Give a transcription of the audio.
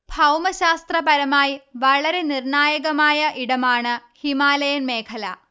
ഭൗമശാസ്ത്രപരമായി വളരെ നിർണായകമായ ഇടമാണ് ഹിമാലയൻ മേഖല